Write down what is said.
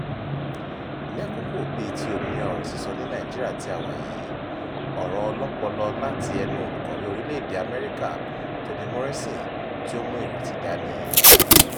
Ní àkókò bíi ti òmìnira ọ̀rọ̀ sísọ ní Nàìjíríà tí a wà yìí, ọ̀rọ̀ ọlọ́pọlọ láti ẹnu òǹkọ̀wé orílẹ̀-èdèe Amẹ́ríkà Toni Morrison tí ó mú ìrétí dání: